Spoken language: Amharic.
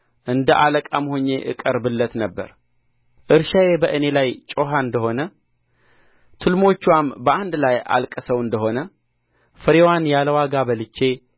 እንደ አለቃም ሆኜ አቀርብለት ነበር እርሻዬ በእኔ ላይ ጮኻ እንደ ሆነ ትልሞችዋም በአንድ ላይ አልቅሰው እንደ ሆነ ፍሬዋን ያለ ዋጋ በልቼ